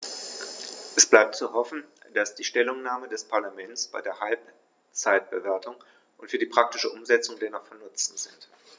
Es bleibt zu hoffen, dass die Stellungnahmen des Parlaments bei der Halbzeitbewertung und für die praktische Umsetzung dennoch von Nutzen sind.